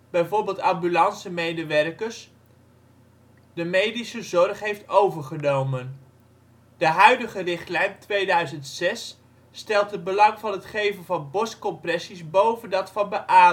bijvoorbeeld ambulancemedewerkers) de medische zorg heeft overgenomen. De huidige richtlijn (2006) stelt het belang van het geven van borstcompressies boven dat van